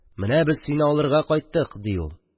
– менә без сине алырга кайттык! – ди ул.